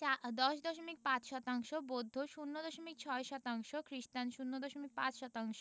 চা ১০দশমিক ৫ শতাংশ বৌদ্ধ ০ দশমিক ৬ শতাংশ খ্রিস্টান ০দশমিক ৫ শতাংশ